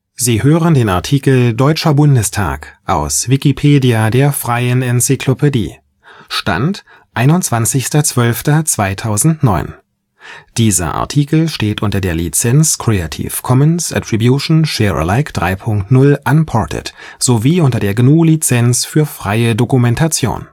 Sie hören den Artikel Deutscher Bundestag, aus Wikipedia, der freien Enzyklopädie. Mit dem Stand vom Der Inhalt steht unter der Lizenz Creative Commons Attribution Share Alike 3 Punkt 0 Unported und unter der GNU Lizenz für freie Dokumentation